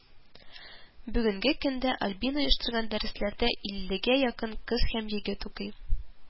Бүгенге көндә Альбина оештырган дәресләрдә иллегә якын кыз һәм егет укый